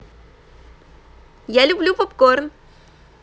я люблю попкорн